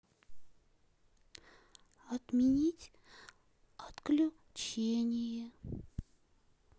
отменить отключение